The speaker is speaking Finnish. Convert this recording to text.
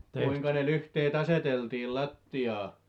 kuinka ne lyhteet aseteltiin lattiaan